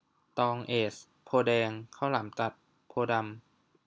ตองเอซโพธิ์แดงข้าวหลามตัดโพธิ์ดำ